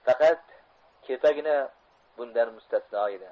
faqat kepagina bundan mustasno edi